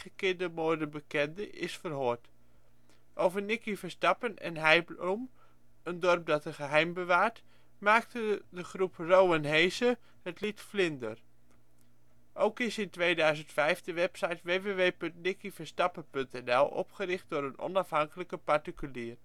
kindermoorden bekende, is verhoord. Over Nicky Verstappen en Heibloem, " een dorp dat een geheim bewaart ", maakte de groep Rowwen Heze het lied " Vlinder ". Ook is in 2005 de website www.nickyverstappen.nl opgericht door een onafhankelijke particulier